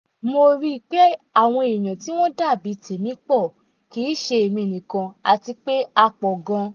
Mo ríi pé àwọn èèyàn tí wọ́n dà bíi tèmi pọ̀, kìí ṣe èmi nìkan àti pé a pọ̀ gan!